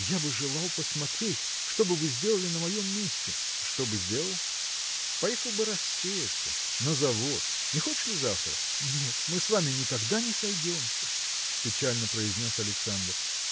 я бы желал посмотреть, что бы вы сделали на моем месте?. – Что бы сделал?. поехал бы рассеяться. на завод. Не хочешь ли завтра? – Нет мы с вами никогда не сойдемся – печально произнес Александр